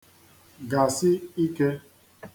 -gasi īkē